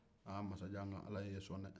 aa masajan nka ala y'e sɔn dɛ